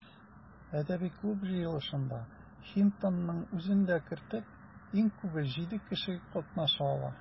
Әдәби клуб җыелышында, Хинтонның үзен дә кертеп, иң күбе җиде кеше катнаша ала.